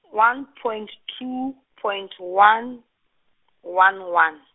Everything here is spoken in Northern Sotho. one, point two, point one, one, one.